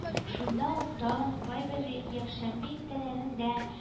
Шунда ук тагын кайбер якшәмбе иртәләрендә